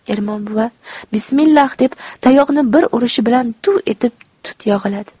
ermon buva bismillo deb tayoqni bir urishi bilan duv etib tut yog'iladi